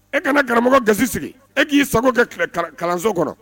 E kana karamɔgɔ gasi sigi e k'i sago ka kalanso kɔnɔ